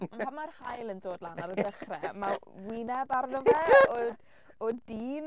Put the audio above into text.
Pan mae'r haul yn dod lan ar y dechrau mae wyneb arno fe o o dyn.